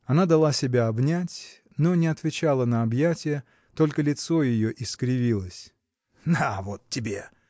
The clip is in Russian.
Она дала себя обнять, но не отвечала на объятие только лицо ее искривилось. – На вот тебе!